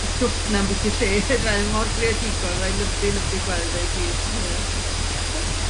stwff 'na ambwti'r lle on'd yfe? Mor greadigol ma' lyfli lyfli gweld e i gyd, 'na fe. Good.